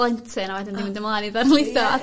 blentyn a wedyn 'di mynd ymlaen i ddarlitho a...